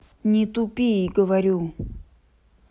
не тупи и говорю